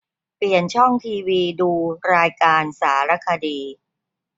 เปลี่ยนช่องทีวีดูรายการสารคดี